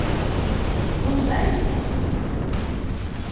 hon leyg um tað